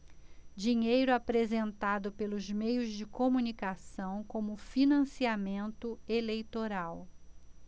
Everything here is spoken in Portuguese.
dinheiro apresentado pelos meios de comunicação como financiamento eleitoral